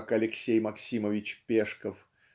как Алексей Максимович Пешков